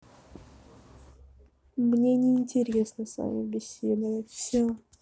мне не интересно с вами беседовать все